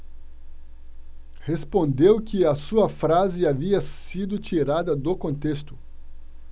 respondeu que a sua frase havia sido tirada do contexto